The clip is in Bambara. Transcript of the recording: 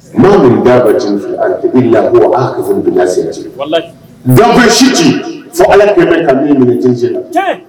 Maa min' ka jfi a la a fɔ bɛ la sen' bɛ siji fo ala bɛ ka minɛ jse la